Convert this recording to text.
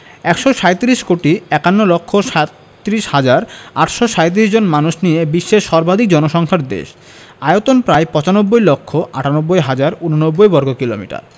১৩৭ কোটি ৫১ লক্ষ ৩৭ হাজার ৮৩৭ জন মানুষ নিয়ে বিশ্বের সর্বাধিক জনসংখ্যার দেশ আয়তন প্রায় ৯৫ লক্ষ ৯৮ হাজার ৮৯ বর্গকিলোমিটার